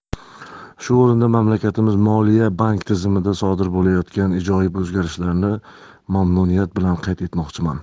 shu o'rinda mamlakatimiz moliya bank tizimida sodir bo'layotgan ijobiy o'zgarishlarni mamnuniyat bilan qayd etmoqchiman